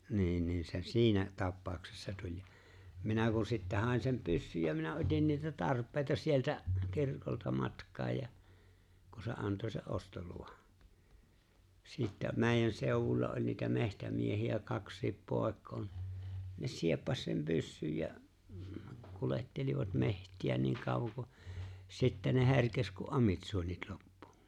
niin niin se siinä tapauksessa tuli ja minä kun sitten hain sen pyssyn ja minä otin niitä tarpeita sieltä kirkolta matkaan ja kun se antoi sen ostoluvan sitten meidän seudulla oli niitä metsämiehiä kaksikin poikaa niin ne sieppasi sen pyssyn ja kuljettelivat metsiä niin kauan kun sitten ne herkesi kun amitsuonit loppui